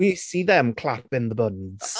We see them clapping the buns.